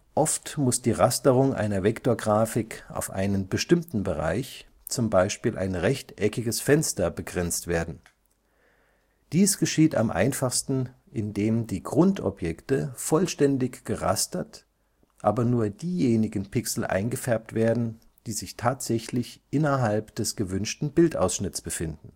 Oft muss die Rasterung einer Vektorgrafik auf einen bestimmten Bereich, zum Beispiel ein rechteckiges Fenster, begrenzt werden. Dies geschieht am einfachsten, indem die Grundobjekte vollständig gerastert, aber nur diejenigen Pixel eingefärbt werden, die sich tatsächlich innerhalb des gewünschten Bildausschnitts befinden